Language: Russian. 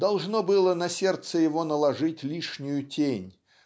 должно было на сердце его наложить лишнюю тень